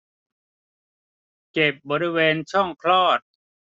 เจ็บบริเวณช่องคลอด